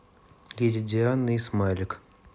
леди диана и смайлик